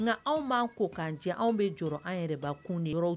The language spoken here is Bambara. Nka anw b'an ko k'an jɛ anw bɛ jɔ an yɛrɛ kun di yɔrɔ